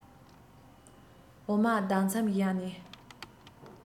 འོ མ ལྡག མཚམས བཞག ནས